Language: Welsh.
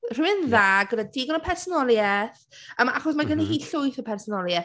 Rhywun dda gyda digon o personoliaeth yym achos mae gynna hi llwyth o personoliaeth...